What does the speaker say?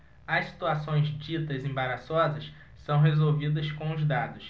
as situações ditas embaraçosas são resolvidas com os dados